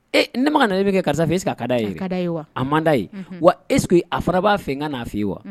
Ee ne bɛ ka nali min kɛ karisa fɛ est ce que a ka d'a ye a man d'a ye wa est ce que a fana b'a fɛ n ka n'a fɛ ye wa.